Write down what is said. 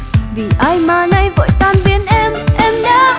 vì ai mà nay vội tan biến em em đã